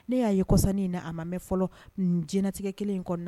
Ne y'a ye kɔsan nin na a ma mɛn fɔlɔ in dinɛ latigɛ kelen in kɔnɔ